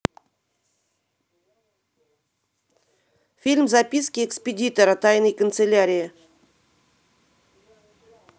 фильм записки экспедитора тайной канцелярии